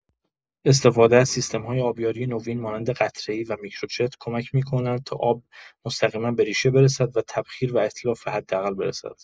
استفاده از سیستم‌های آبیاری نوین مانند قطره‌ای و میکروجت کمک می‌کند تا آب مستقیما به ریشه برسد و تبخیر و اتلاف به حداقل برسد.